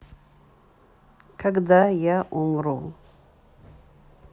когда я умру